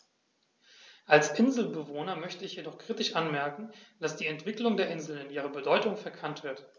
Als Inselbewohner möchte ich jedoch kritisch anmerken, dass die Entwicklung der Inseln in ihrer Bedeutung verkannt wird.